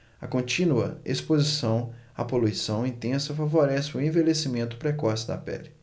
a contínua exposição à poluição intensa favorece o envelhecimento precoce da pele